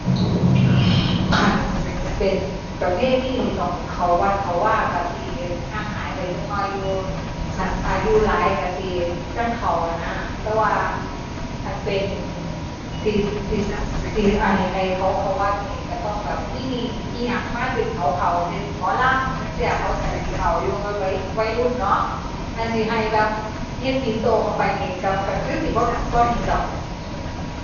คันเป็นประเพณีที่ต้องเข้าวัดเข้าวาก็สิห่างหายไปจักหน่อยอยู่ คันอายุหลายก็สิจั่งเข้าหั้นนะ แต่ว่าคันเป็น สิ สิ สิให้ ให้เขาเข้าวัดนี่ก็ต้องแบบ มีอิหยังมาดึงเขาเข้า เช่น หมอลำจั่งซี้เขาก็สิเข้าอยู่ วัย วัยรุ่นเนาะ คันสิให้แบบ เฮ็ดปิ่นโตเข้าไปนี่ก็ ก็คือสิบ่ บ่เห็นดอก อื้อ